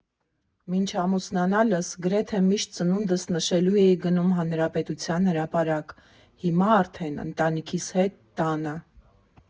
Մինչ ամուսնանալս գրեթե միշտ ծնունդս նշելու էի գնում Հանրապետության հրապարակ, հիմա արդեն ընտանիքիս հետ տանը։